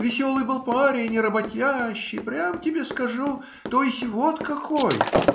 Веселый был парень и работящий, прямо тебе скажу. То есть вот какой!